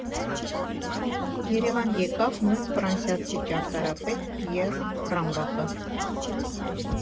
Երևան եկավ նույն ֆրանսիացի ճարտարապետ Պիեռ Ռամբախը։